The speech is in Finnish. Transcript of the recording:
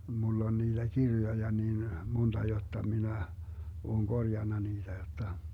minulla on niitä kirjoja niin monta jotta minä olen korjannut niitä jotta